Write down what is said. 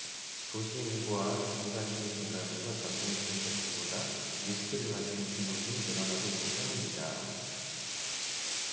도시인구와 중산층이 증가하면서 전통술인 백주보다 위스키를 마시는 중국인이 늘어나고 있기 때문이다